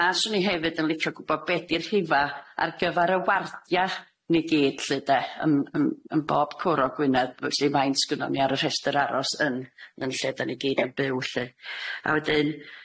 A 'swn i hefyd yn licio gwbod be' di'r rhifa ar gyfar y wardia ni gyd lly 'de ym ym ym bob cwr o Gwynedd felly faint sgynnon ni ar y rhestyr aros yn yn lle 'dan ni gyd yn byw lly a wedyn